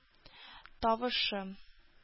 Тавышы